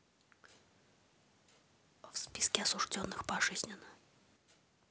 в списке осужденных пожизненно